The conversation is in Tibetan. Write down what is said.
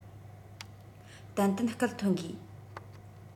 ཏན ཏན སྐད ཐོན དགོས